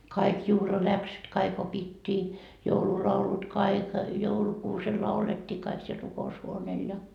kaikki juhlaläksyt kaikki opittiin joululaulut kaikki joulukuusella laulettiin kaikki siellä rukoushuoneella ja